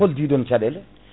hol ɗiɗon caɗele